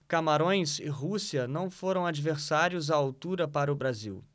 camarões e rússia não foram adversários à altura para o brasil